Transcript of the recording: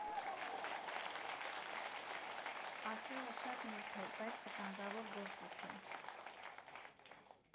Ասեղը շատ նուրբ է, բայց վտանգավոր գործիք է։